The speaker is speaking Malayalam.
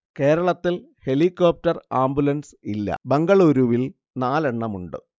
കേരളത്തിൽ ഹെലികോപ്റ്റർ ആംബുലൻസ് ഇല്ല ബെംഗളൂരുവിൽ നാലെണ്ണമുണ്ട്